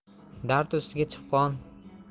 dard ustiga chipqon